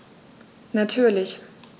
Natürlich.